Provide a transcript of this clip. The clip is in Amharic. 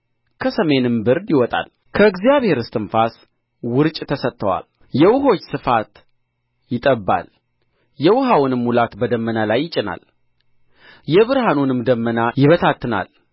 ከሰሜንም ብርድ ይወጣል ከእግዚአብሔር እስትንፋስ ውርጭ ተሰጥቶአል የውኆችም ስፋት ይጠብባል የውኃውንም ሙላት በደመና ላይ ይጭናል የብርሃኑንም ደመና ይበታትናል